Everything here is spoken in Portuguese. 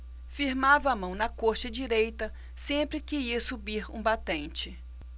firmava a mão na coxa direita sempre que ia subir um batente